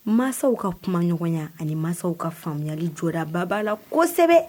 Mansaw ka kuma ɲɔgɔnya ani mansaw ka faamuyayali jɔdababa la kosɛbɛ